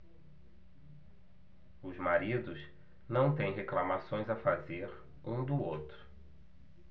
os maridos não têm reclamações a fazer um do outro